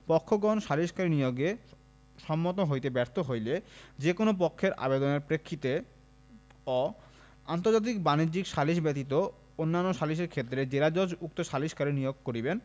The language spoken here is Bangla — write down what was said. পক্ষগণ সালিসকারী নিয়োগে সম্মত হইতে ব্যর্থ হইলে যে কোন পক্ষের আবেদনের প্রেক্ষিতে অ আন্তর্জাতিক বাণিজ্যিক সালিস ব্যতীত অন্যান্য সালিসের ক্ষেত্রে জেলাজজ উক্ত সালিসকারী নিয়োগ করিবেন